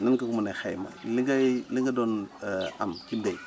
nan nga ko mën a xaymaa li ngay li nga doon am ci mbay